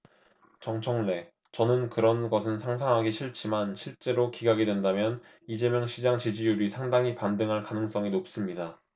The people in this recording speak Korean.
정청래 저는 그런 것은 상상하기 싫지만 실제로 기각이 된다면 이재명 시장 지지율이 상당히 반등할 가능성이 높습니다